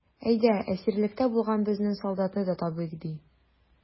Әйдә, әсирлектә булган безнең солдатны да табыйк, ди.